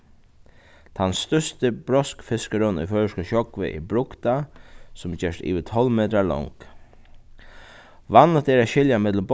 tann størsti bróskfiskurin í føroyskum sjógvi er brugda sum gerst yvir tólv metrar long vanligt er at skilja millum